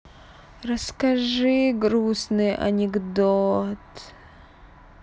расскажи грустный анекдот